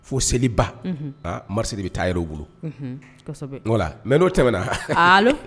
Fo seliba, unhun,, hann marché bɛ taiiheurs bolo, unhun kosbɛ, walla, mais n'o tɛmɛna allo